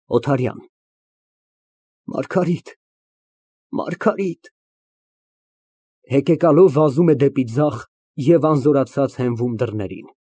ՕԹԱՐՅԱՆ ֊ Մարգարիտ, Մարգարիտ։ (Հեկեկալով վազում է դեպի ձախ և անզորացած հենվում դռներին)։